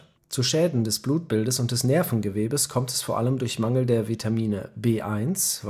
Zu Schäden des Blutbildes und des Nervengewebes kommt es v. a. durch Mangel der Vitamine B1